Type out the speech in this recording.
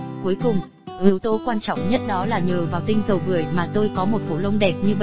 cuối cùng yếu tố quan trọng nhất đó là nhờ vào tinh dầu bưởi mà tôi có một bộ lông đẹp như bây giờ